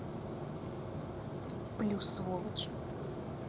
плюс сволочь